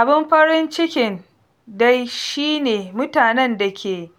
Abin farin cikin dai shi ne mutanen da ke